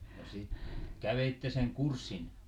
ja sitten kävitte sen kurssin